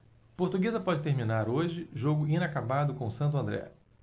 portuguesa pode terminar hoje jogo inacabado com o santo andré